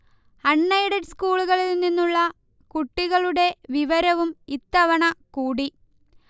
അൺ aided സ്കൂളുകളിൽനിന്നുള്ള കുട്ടികളുടെ വരവും ഇത്തവണ കൂടി